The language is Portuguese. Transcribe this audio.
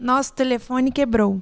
nosso telefone quebrou